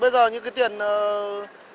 bây giờ những cái tiền ờ